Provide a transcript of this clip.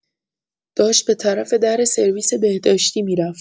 داشت به‌طرف در سرویس بهداشتی می‌رفت.